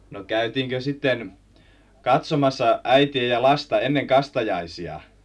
no käytiinkö sitten katsomassa äitiä ja lasta ennen kastajaisia